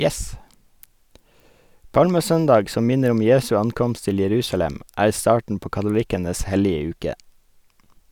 Palmesøndag, som minner om Jesu ankomst til Jerusalem, er starten på katolikkenes hellige uke.